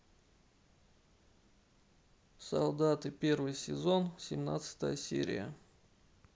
солдаты первый сезон семнадцатая серия